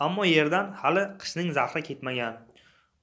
ammo yerdan hali qishning zahri ketmagan